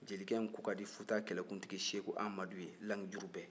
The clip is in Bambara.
jelikɛ min ko ka di futa kɛlɛkuntigi amadu ye lang jurubɛ